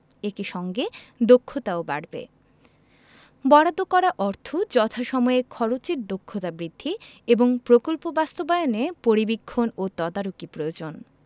একই সঙ্গে দক্ষতাও বাড়বে বরাদ্দ করা অর্থ যথাসময়ে খরচের দক্ষতা বৃদ্ধি এবং প্রকল্প বাস্তবায়নে পরিবীক্ষণ ও তদারকি প্রয়োজন